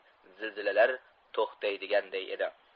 zilzilalar to'xtaydiganday edi